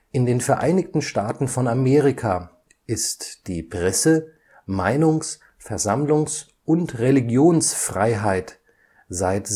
In den Vereinigten Staaten von Amerika ist die Presse -, Meinungs -, Versammlungs - und Religionsfreiheit seit